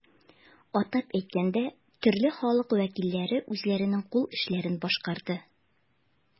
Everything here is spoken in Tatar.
Атап әйткәндә, төрле халык вәкилләре үзләренең кул эшләрен башкарды.